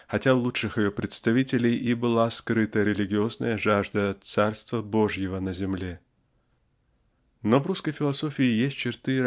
хотя у лучших ее представителей и была скрыта религиозная жажда царства Божьего на земле. Но в русской философии есть черты